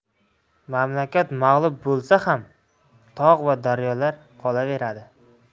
mamlakat mag'lub bo'lsa ham tog' va daryolar qolaveradi